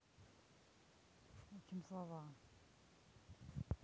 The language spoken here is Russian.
учим слова